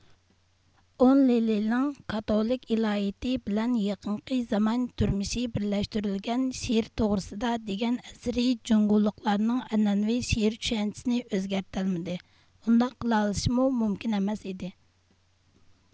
ئون لىلىنىڭ كاتولىك ئىلاھىيىتى بىلەن يېقىنقى زامان تۇرمۇشى بىرلەشتۈرۈلگەن شېئىر توغرىسىدا دېگەن ئەسىرى جۇڭگولۇقلارنىڭ ئەنئەنىۋى شېئىرچۈشەنچىسىنى ئۆزگەرتەلمىدى ئۇنداق قىلالىشىمۇ مۇمكىن ئەمەس ئىدى